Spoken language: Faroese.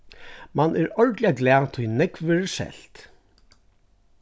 mann er ordiliga glað tí nógv verður selt